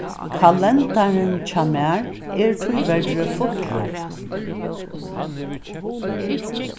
kalendarin hjá mær er tíverri fullur